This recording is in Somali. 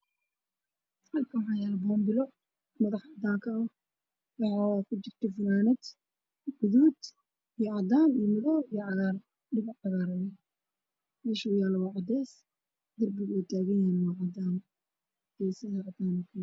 Meeshaan waxaa yaalo boonbalo waxaa kujiro fanaanad gaduud, madow iyo cadaan iyo cagaar ah, meesha uu yaalana waa cadeys darbigana waa cadaan.